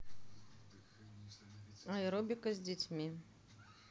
аэробика с детьми